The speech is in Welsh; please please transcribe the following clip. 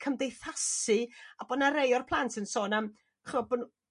cymdeithasu a bo' 'na rei o'r plant yn sôn am ch'od bo' n'w'n